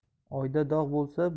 oyda dog' bo'lsa